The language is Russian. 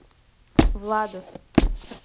владус